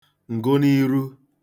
ǹgụniiru